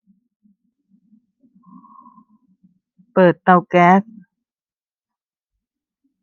เปิดเตาแก๊ส